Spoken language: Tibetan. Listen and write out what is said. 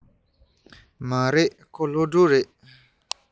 མ རེད ཁོང སློབ ཕྲུག རེད